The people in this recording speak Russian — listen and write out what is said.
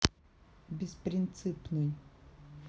беспринципный